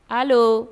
Paul